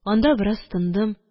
Анда бераз тындым